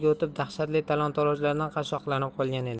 o'tib dahshatli talon torojlardan qashshoqlanib qolgan edi